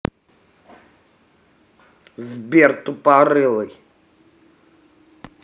сбер тупорылый